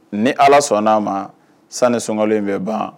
Ni Ala sɔnna ma san ni sunkalo in bɛ ban.